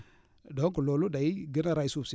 donc loolu day gën a rey suuf si